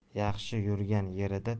yaxshi yurgan yerida